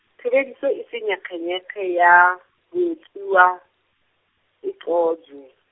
tshebediso e senyekgenyekge ya, boetsuwa e qojwe.